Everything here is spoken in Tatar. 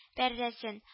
Пәрдәсен